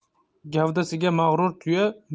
gavdasiga mag'rur tuya